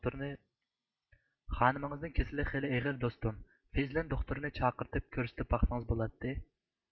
خانىمىڭىزنىڭ كېسىلى خېلى ئېغىر دوستۇم فېژلىن دوختۇرنى چاقىرتىپ كۆرسىتىپ باقسىڭىز بولاتتى